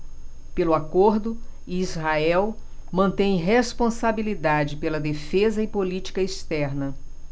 pelo acordo israel mantém responsabilidade pela defesa e política externa